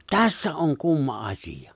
tässä on kumma asia